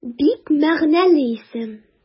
Бик мәгънәле исем.